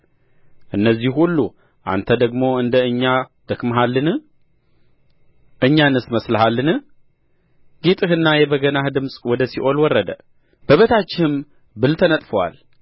እነዚህ ሁሉ አንተ ደግሞ እንደ እኛ ደክመሃልን እኛንስ መስለሃልን ጌጥህና የበገናህ ድምፅ ወደ ሲኦል ወረደ በበታችህም ብል ተነጥፎአል